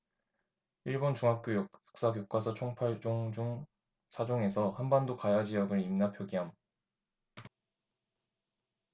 일본 중학교 역사교과서 총 팔 종 중 사 종에서 한반도 가야지역을 임나 표기함